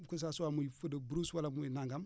que ça soit muy feu de brousse wala muy nangam